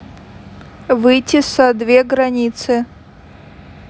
выйти со две границы